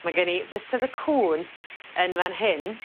Ma' gen i fysedd y cŵn yn fan hyn